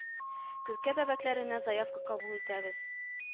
Күркә бәбкәләренә заявка кабул итәбез